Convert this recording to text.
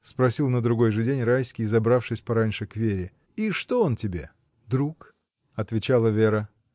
— спросил на другой же день Райский, забравшись пораньше к Вере, — и что он тебе? — Друг, — отвечала Вера.